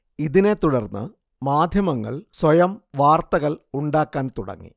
ഇതിനെ തുടർന്ന് മാധ്യമങ്ങൾ സ്വയം വാർത്തകൾ ഉണ്ടാക്കാൻ തുടങ്ങി